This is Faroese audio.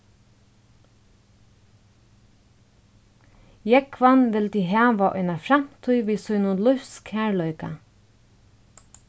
jógvan vildi hava eina framtíð við sínum lívs kærleika